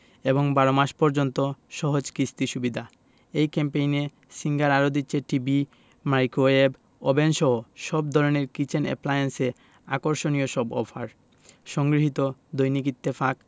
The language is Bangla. এবং ১২ মাস পর্যন্ত সহজ কিস্তি সুবিধা এই ক্যাম্পেইনে সিঙ্গার আরো দিচ্ছে টিভি মাইক্রোওয়েভ ওভেনসহ সব ধরনের কিচেন অ্যাপ্লায়েন্সে আকর্ষণীয় সব অফার সংগৃহীত দৈনিক ইত্তেফাক